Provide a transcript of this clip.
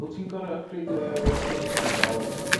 wt ti'n gor'o' ypgredio i eye oh es six i ga'l